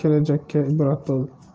kelajakka ibrat bo'l